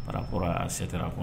Par rapport à cette rencontre